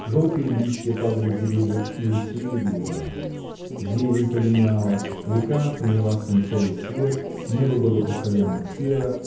Желтые листья падали с деревьев и усеяли берега зелень полиняла река приняла свинцовый цвет небо было постоянно серо